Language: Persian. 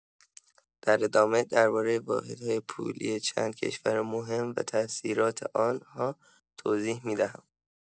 در ادامه درباره واحدهای پولی چند کشور مهم و تأثیرات آن‌ها توضیح می‌دهم.